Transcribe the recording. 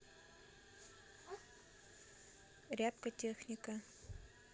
рябко техника